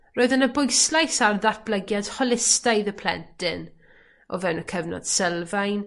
Roedd yna bwyslais ar ddatblygiad holistaidd y plentyn o fewn y cyfnod sylfaen